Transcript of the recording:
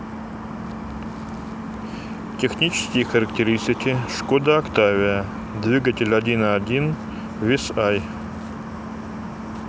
технические характеристики шкода октавия двигатель один и два this i